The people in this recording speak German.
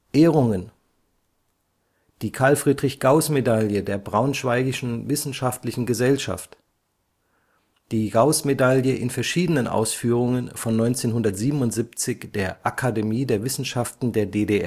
Ehrungen die Carl-Friedrich-Gauß-Medaille der Braunschweigischen Wissenschaftlichen Gesellschaft die Gauß-Medaille in verschiedenen Ausführungen von 1977 der Akademie der Wissenschaften der DDR